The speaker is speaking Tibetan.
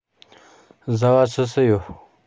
བཟའ བ སུ སུ ཡོད